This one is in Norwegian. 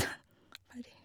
Ferdig.